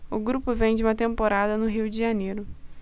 o grupo vem de uma temporada no rio de janeiro